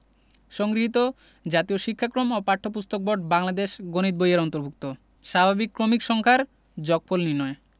সংগৃহীত জাতীয় শিক্ষাক্রম ও পাঠ্যপুস্তক বোর্ড বাংলাদেশ গণিত বই-এর অন্তর্ভুক্ত স্বাভাবিক ক্রমিক সংখ্যার যগফল নির্ণয়